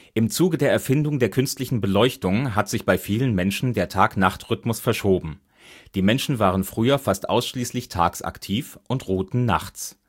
Im Zuge der Erfindung der künstlichen Beleuchtung hat sich bei vielen Menschen der Tag-Nacht-Rhythmus verschoben: Die Menschen waren früher fast ausschließlich tags aktiv und ruhten nachts